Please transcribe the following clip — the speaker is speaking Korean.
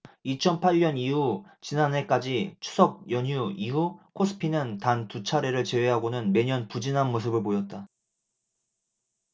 이천 팔 년 이후 지난해까지 추석 연휴 이후 코스피는 단 두 차례를 제외하고는 매년 부진한 모습을 보였다